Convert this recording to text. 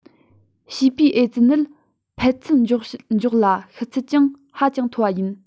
བྱིས པའི ཨེ ཙི ནད འཕར ཚད མགྱོགས ལ ཤི ཚད ཀྱང ཧ ཅང མཐོ བ ཡིན